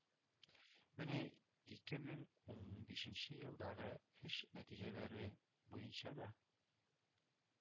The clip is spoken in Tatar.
Менә ике мең унбишенче елдагы эш нәтиҗәләре буенча да,